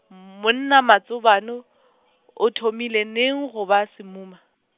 monna Matsobane , o thomile neng go ba semuma?